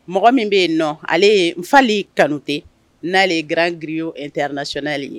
Mɔgɔ min bɛ yen nɔ ale ye Nfali Kanute n'ale ye grand griot international ye